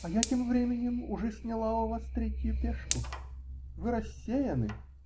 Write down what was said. -- А я тем временем уже сняла у вас третью пешку. Вы рассеяны!